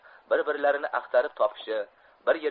bir birlarini axtarib topishi